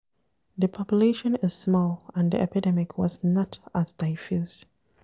PG: The population is small and the epidemic was not as diffused.